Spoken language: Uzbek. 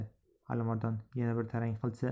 alimardon yana bir tarang qilsa